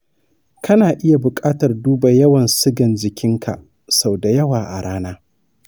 kana iya buƙatar duba yawan sugan jininka sau da yawa a rana.